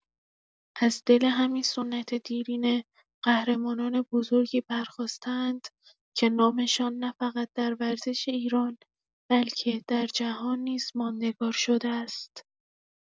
از دل همین سنت دیرینه، قهرمانان بزرگی برخاسته‌اند که نامشان نه‌فقط در ورزش ایران، بلکه در جهان نیز ماندگار شده است.